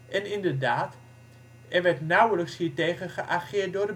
en inderdaad: er werd nauwelijks hiertegen geageerd door